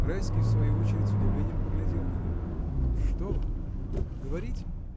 Райский в свою очередь с удивлением поглядел на него. — Что вам? говорите!